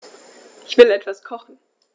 Ich will etwas kochen.